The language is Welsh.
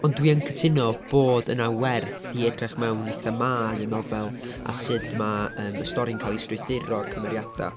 Ond dwi yn cytuno bod yna werth i edrych mewn i themâu y nofel. A sut ma' yym y stori'n cael ei strwythuro a'r cymeriadau.